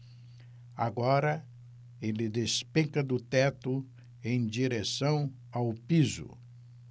agora ele despenca do teto em direção ao piso